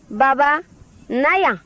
baba na yan